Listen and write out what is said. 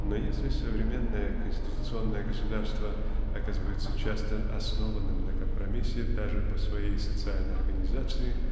Но если современное конституционное государство оказывается часто основанным на компромиссе даже по своей социальной организации